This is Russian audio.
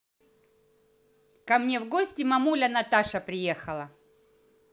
ко мне в гости мамуля наташа приехала